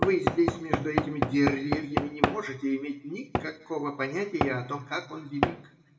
Вы здесь, между этими деревьями, не можете иметь никакого понятия о том, как он велик.